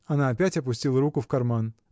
Она опять опустила руку в карман.